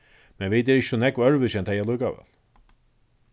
men vit eru ikki so nógv øðrvísi enn tey allíkavæl